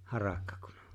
harakka kun on